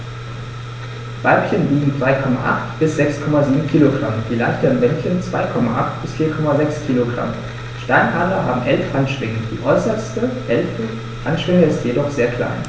Weibchen wiegen 3,8 bis 6,7 kg, die leichteren Männchen 2,8 bis 4,6 kg. Steinadler haben 11 Handschwingen, die äußerste (11.) Handschwinge ist jedoch sehr klein.